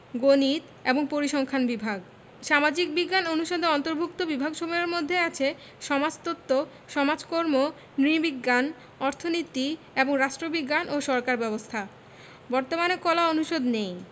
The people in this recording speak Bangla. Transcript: গণিত এবং পরিসংখ্যান বিভাগ সামাজিক বিজ্ঞান অনুষদের অন্তর্ভুক্ত বিভাগসমূহের মধ্যে আছে সমাজতত্ত্ব সমাজকর্ম নৃবিজ্ঞান অর্থনীতি এবং রাষ্ট্রবিজ্ঞান ও সরকার ব্যবস্থা বর্তমানে কলা অনুষদ নেই